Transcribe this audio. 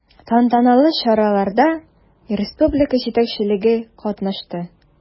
Тантаналы чараларда республика җитәкчелеге катнашты.